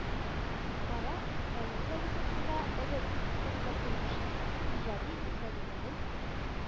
Мара район газетасында әдәби хезмәткәр булып эшли, иҗади эзләнүләрен